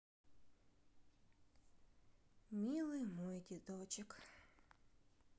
милый мой дедочек